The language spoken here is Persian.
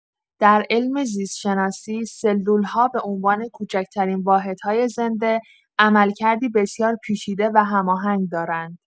در علم زیست‌شناسی، سلول‌ها به‌عنوان کوچک‌ترین واحدهای زنده، عملکردی بسیار پیچیده و هماهنگ دارند.